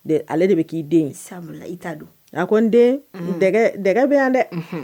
Ale de bɛ k'i den sa i t ta don a ko n den dɛgɛ bɛ yan dɛ